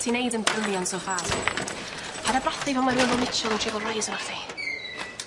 Ti'n neud yn brilliant so far. Paid â brathu pan ma' rywun fel Mitchell yn trio gael reis arno chdi.